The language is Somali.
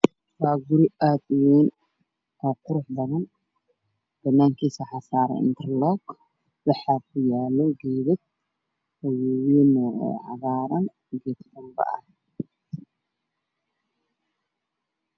Waa guri aad uweyn oo qurux badan banaankiisa waxa saran interlook wax kuyaayo geedo waa weyn oo cagaaran geed qunbo ah